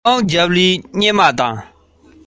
འོ མ ལྡུད མཁན ཡང རྒན མོ ཡིན